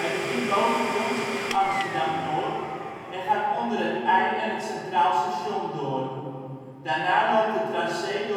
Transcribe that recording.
begint bovengronds in Amsterdam-Noord, gaat onder het IJ en Centraal Station door. Daarna loopt het trace via het